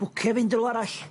Bwcio i fynd i rwle arall?